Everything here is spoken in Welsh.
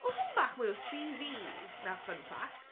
O hwn bach mwy o CV na fun fact.